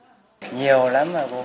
nhiều lắm